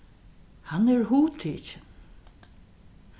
hann er hugtikin